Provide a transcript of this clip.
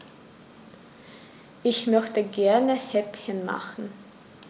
Ich möchte gerne Häppchen machen.